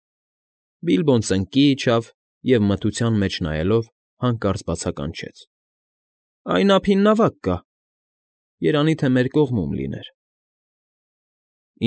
Բիլբոն ծնկի իջավ և, մթության մեջ նայելով, հանկարծ բացականչեց, ֊ Այն ափին նավակ կա… Երևանի թե մեր կողմում լիներ… ֊